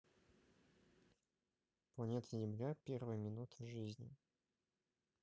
планета земля первая минута жизни